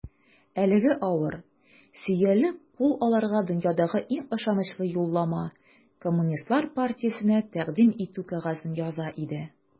Әлеге авыр, сөялле кул аларга дөньядагы иң ышанычлы юллама - Коммунистлар партиясенә тәкъдим итү кәгазен яза иде.